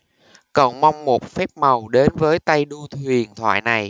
cầu mong một phép mầu đến với tay đua huyền thoại này